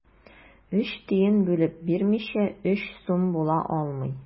Өч тиен бүлеп бирмичә, өч сум була алмый.